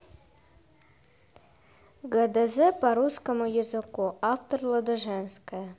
гдз по русскому языку автор ладыженская